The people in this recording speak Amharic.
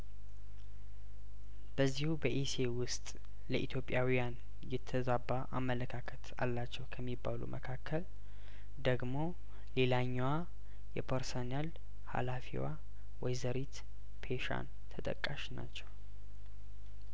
በዚሁ በኢሲኤ ውስጥ ለኢትዮጵያውያን የተዛባ አመለካከት አላቸው ከሚባሉ መካከል ደግሞ ሌላኛዋ የፐርሶኔል ሀላፊዋ ወይዘሪት ፔሻን ተጠቃ ሽ ናቸው